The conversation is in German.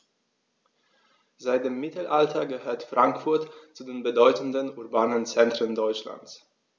Seit dem Mittelalter gehört Frankfurt zu den bedeutenden urbanen Zentren Deutschlands.